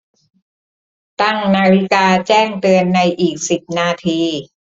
ตั้งนาฬิกาแจ้งเตือนในอีกสิบนาที